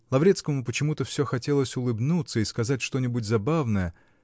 Лаврецкому почему-то все хотелось улыбнуться и сказать что-нибудь забавное